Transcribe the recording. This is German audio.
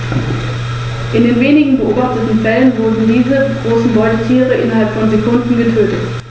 Zudem finden sich viele lateinische Lehnwörter in den germanischen und den slawischen Sprachen.